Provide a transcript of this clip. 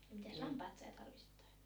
no mitäs lampaat sai talvisittain